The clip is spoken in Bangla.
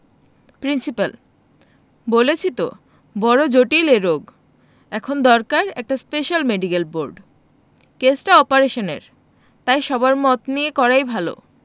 প্রিন্সিপাল বলেছি তো বড় জটিল এ রোগ এখন দরকার একটা স্পেশাল মেডিকেল বোর্ড কেসটা অপারেশনের তাই সবার মত নিয়েই করা ভালো